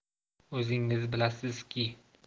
o'zingiz bilasizki